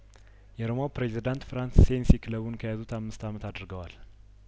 የሮማው ፕሬዚዳንት ፍራንስ ሴን ሲክለቡን ከያዙት አምስት አመት አድርገዋል